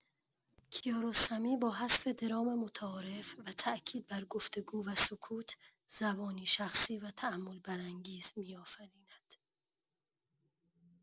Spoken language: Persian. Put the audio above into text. کیارستمی با حذف درام متعارف و تأکید بر گفت‌وگو و سکوت، زبانی شخصی و تأمل‌برانگیز می‌آفریند.